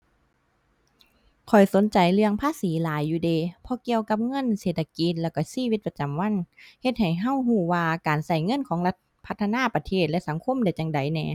ข้อยสนใจเรื่องภาษีหลายอยู่เดะ เพราะเกี่ยวกับเงิน เศรษฐกิจ แล้วก็ชีวิตประจำวัน เฮ็ดให้ก็ก็ว่าการก็เงินของรัฐพัฒนาประเทศและสังคมได้จั่งใดแหน่